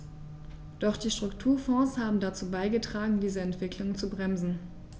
Doch die Strukturfonds haben dazu beigetragen, diese Entwicklung zu bremsen.